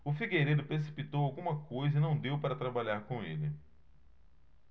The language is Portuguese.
o figueiredo precipitou alguma coisa e não deu para trabalhar com ele